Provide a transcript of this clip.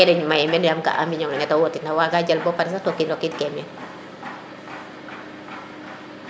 kene maye meen yaam ga a mbiño nge nete wotit na waga jal bo pare sax to o kin rokid ke meen